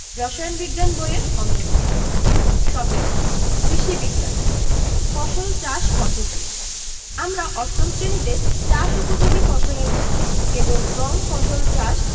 রসায়ন বিজ্ঞান বই এর অন্তর্ভুক্ত ১৭ কৃষি বিজ্ঞান ফসল চাষ পদ্ধতি আমরা অষ্টম শ্রেণিতে চাষ উপযোগী ফসলের মধ্যে কেবল গম ফসল চাষ